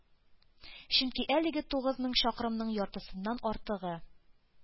Чөнки әлеге тугыз мең чакрымның яртысыннан артыгы,